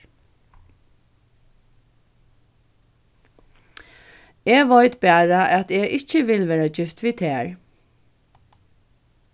eg veit bara at eg ikki vil vera gift við tær